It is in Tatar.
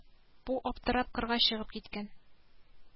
Бу артырап кырга чыгып киткән